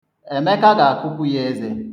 Emeka ga-akụpù ya eze